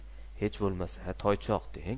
hech bo'lmasa toychoq deng